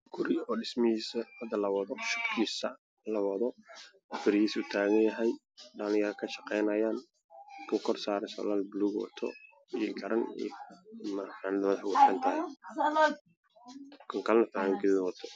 Meeshaan waa dabaq dhismaha ku socoto waxaan dhiseyso niman badan